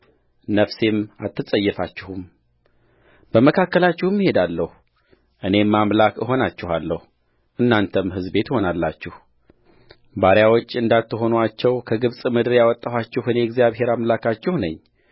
ነፍሴም አትጸየፋችሁምበመካከላችሁም እሄዳለሁ እኔም አምላክ እሆናችኋለሁ እናንተም ሕዝብ ትሆኑኛላችሁባሪያዎች እዳትሆኑአቸው ከግብፅ ምድር ያወጣኋችሁ እኔ እግዚአብሔር አምላካችሁ ነኝ